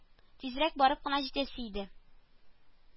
Тизрәк барып кына җитәсе иде